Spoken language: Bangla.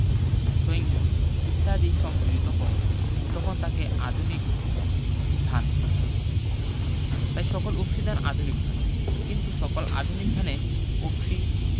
সহিংসু ইত্যাদি সংযুজিত হয় তখন তাকে আধুনিক ধান বলে তাই সকল উফশী ধান আধুনিক নয় কিন্তু সকল আধুনিক ধানে উফশী